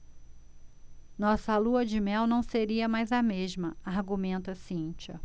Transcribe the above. nossa lua-de-mel não seria mais a mesma argumenta cíntia